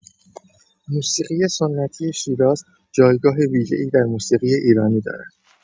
موسیقی سنتی شیراز جایگاه ویژه‌ای در موسیقی ایرانی دارد.